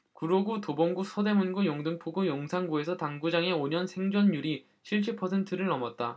구로구 도봉구 서대문구 영등포구 용산구에서 당구장의 오 년 생존율이 칠십 퍼센트를 넘었다